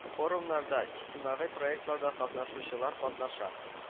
Форумнарда, иҗтимагый проектларда катнашучылар катнаша